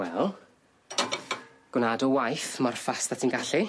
Wel, gwna dy o waith mor fast a ti'n gallu.